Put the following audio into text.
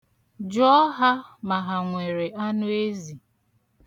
Jụọ ha ma ha nwere anụezi.